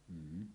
mm